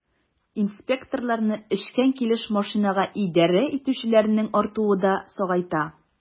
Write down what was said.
Инспекторларны эчкән килеш машинага идарә итүчеләрнең артуы да сагайта.